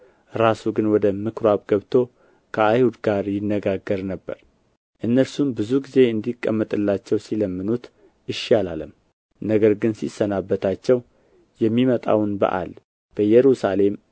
ራሱ ግን ወደ ምኵራብ ገብቶ ከአይሁድ ጋር ይነጋገር ነበር እነርሱም ብዙ ጊዜ እንዲቀመጥላቸው ሲለምኑት እሺ አላለም ነገር ግን ሲሰናበታቸው የሚመጣውን በዓል በኢየሩሳሌም